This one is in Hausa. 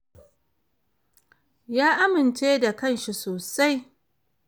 "Ya amince da kanshi sosai.